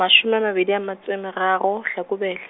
mashome a mabedi a metso e meraro, Hlakubele.